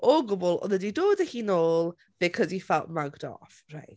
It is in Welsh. O gwbl, oedd e 'di dod â hi nôl because he felt mugged off, reit.